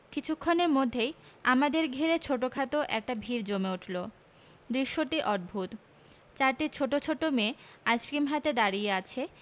কিছুক্ষণের মধ্যেই অমািদের ঘিরে ছোটখাট একটা ভিড় জমে উঠল দৃশ্যটি অদ্ভুত চরিটি ছোট ছোট মেয়ে আইসক্রিম হাতে দাড়িয়ে আছে